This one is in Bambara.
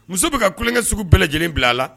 Muso bi ka kulonkɛ sugu bɛɛ lajɛlen bila a la.